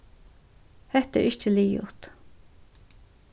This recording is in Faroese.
hetta er ikki liðugt